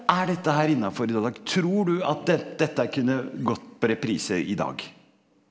er dette her innafor i, tror du at dette her kunne gått på reprise i dag?